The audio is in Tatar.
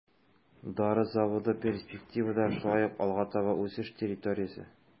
Дары заводы перспективада шулай ук алга таба үсеш территориясе.